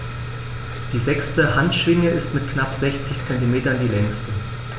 Die sechste Handschwinge ist mit knapp 60 cm die längste.